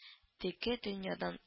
Теге дөньядан